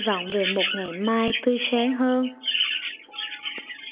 về một ngày mai tươi sáng hơn